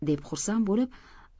deb xursand bo'lib